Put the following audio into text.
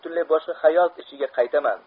butunlay boshqa hayot ichiga qaytaman